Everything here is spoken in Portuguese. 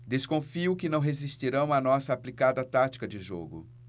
desconfio que não resistirão à nossa aplicada tática de jogo